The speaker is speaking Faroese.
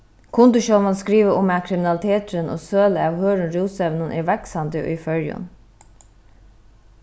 kundi sjálvandi skriva um at kriminaliteturin og søla av hørðum rúsevnum er vaksandi í føroyum